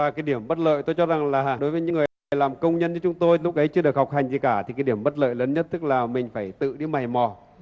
và cái điểm bất lợi tôi cho rằng là đối với những người làm công nhân như chúng tôi lúc ấy chưa được học hành gì cả thì cái điểm bất lợi lớn nhất tức là mình phải tự đi mày mò